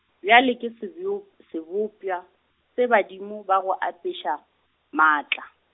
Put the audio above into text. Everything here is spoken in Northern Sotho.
bjale ke sebop-, sebopša se badimo ba go apeša, maatla.